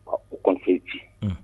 Ka u kɔnifi ci